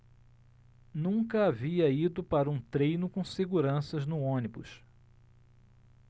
nunca havia ido para um treino com seguranças no ônibus